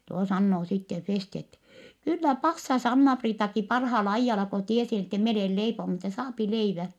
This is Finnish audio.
tuo sanoo sitten Festi että kyllä passasi Anna-Priitakin parhaalla ajalla kun tiesi että minä olen leiponut että saa leivän